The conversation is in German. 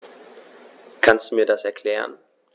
Kannst du mir das erklären?